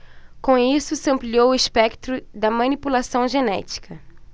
com isso se ampliou o espectro da manipulação genética